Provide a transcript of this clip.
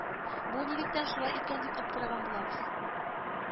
Бу нилектән шулай икән дип аптыраган булабыз